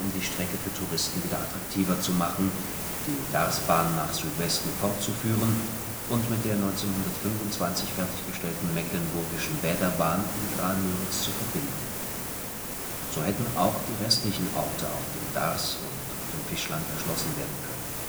die Strecke für Touristen wieder attraktiver zu machen und nach Südwesten fortzuführen. Sie sollte mit der 1925 fertiggestellten Mecklenburgischen Bäderbahn in Graal-Müritz verbunden werden. So hätten auch die restlichen Orte auf dem Darß und dem Fischland erschlossen werden können